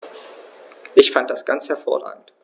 Ich fand das ganz hervorragend.